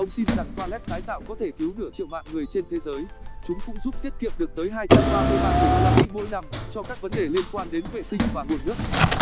ông tin rằng toilet tái tạo có thể cứu nửa triệu mạng người trên thế giới chúng cũng giúp tiết kiệm được tới tỉ usd năm cho các vấn đề liên quan đến vệ sinh và nguồn nước